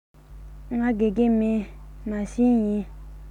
ང དགེ རྒན མིན མ བྱན ཡིན